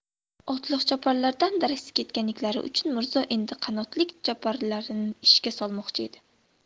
otliq choparlar dom daraksiz ketganliklari uchun mirzo endi qanotlik choparlarini ishga solmoqchi edi